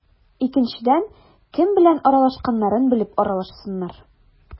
Икенчедән, кем белән аралашканнарын белеп аралашсыннар.